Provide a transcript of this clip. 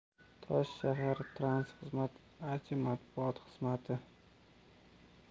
toshshahartransxizmat aj matbuot xizmati